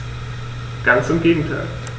Ganz im Gegenteil.